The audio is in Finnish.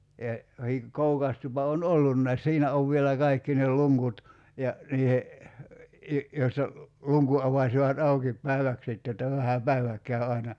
ja - kookas tupa on ollutkin siinä on vielä kaikki ne luukut ja niiden - joista luukun avasivat auki päiväksi sitten jotta vähän päivä kävi aina